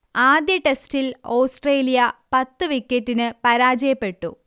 ആദ്യ ടെസ്റ്റിൽ ഓസ്ട്രേലിയ പത്ത് വിക്കറ്റിന് പരാജയപ്പെട്ടു